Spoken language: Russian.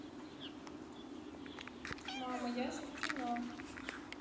мама я же в кино